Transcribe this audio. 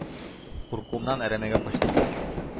Куркуымнан әрәмәгә качтым...